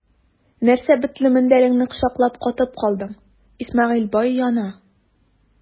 Нәрсә бетле мендәреңне кочаклап катып калдың, Исмәгыйль бай яна!